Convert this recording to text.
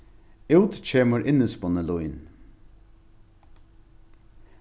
út kemur innispunnið lín